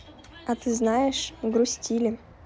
а ты знаешь грустили